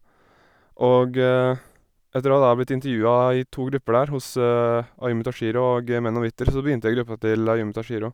Og etter å ha da blitt intervjua i to grupper der, hos Ayumu Tashiro og G Menno Witter, så begynte jeg i gruppa til Ayumu Tashiro.